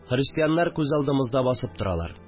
Христианнар күз алдымызда басып торалар